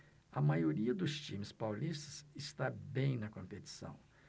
a maioria dos times paulistas está bem na competição